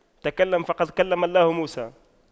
تكلم فقد كلم الله موسى